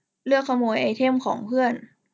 เลือกขโมยไอเทมของเพื่อน